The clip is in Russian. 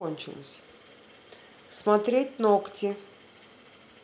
смотреть ногти